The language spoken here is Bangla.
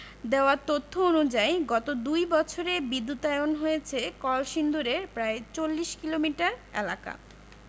দেওয়া তথ্য অনুযায়ী গত দুই বছরে বিদ্যুতায়ন হয়েছে কলসিন্দুরের প্রায় ৪০ কিলোমিটার এলাকা